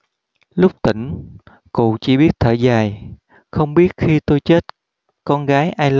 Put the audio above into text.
lúc tỉnh cụ chỉ biết thở dài không biết khi tôi chết con gái ai lo